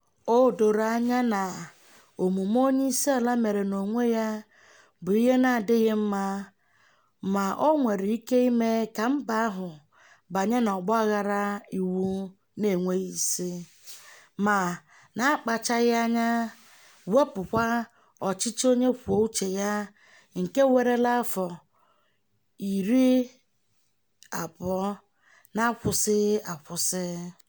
O doro anya na, omume onyeisiala mere n'onwe ya bụ ihe na-adịghị mma ma o nwere ike ime ka mba ahụ banye n'ọgbaghara iwu na-enweghị isi, ma, na-akpachaghị anya, wepụ kwa ọchịchị onye kwuo uche ya nke werela afọ 20 na-akwụsịghị akwụsị.